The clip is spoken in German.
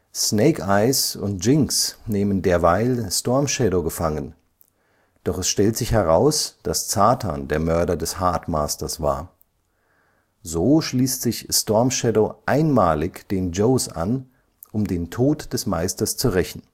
Snake Eyes und Jinx nehmen derweil Storm Shadow gefangen - doch es stellt sich heraus, dass Zartan der Mörder des Hard Masters war. So schließt sich Storm Shadow einmalig den Joes an, um den Tod des Meisters zu rächen